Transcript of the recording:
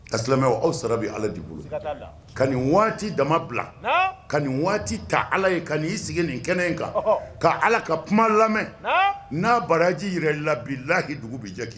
Al silamɛw aw sara bɛ Ala de bolo sika t'a la ka nin waati dama bila naam ka nin waati ta Ala ye ka n'i sigi nin kɛnɛ in kan ɔhɔ ka Ala ka kuma lamɛn naam n'a baraji jira l'i la bilahi dugu bi jɛ ki